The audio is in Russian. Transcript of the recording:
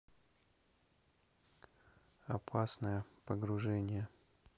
опасное погружение